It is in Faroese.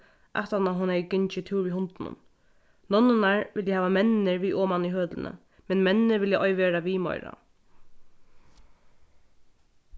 aftan á hon hevði gingið túr við hundinum nonnurnar vilja hava menninar við oman í hølini men menninir vilja ei vera við meira